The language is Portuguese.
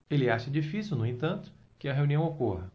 ele acha difícil no entanto que a reunião ocorra